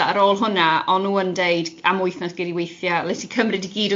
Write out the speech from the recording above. So ar ôl hwnna, o'n nhw'n deud am wythnos gei di weithio o adre,